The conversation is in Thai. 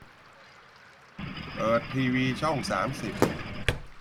เปิดทีวีช่องสามสิบ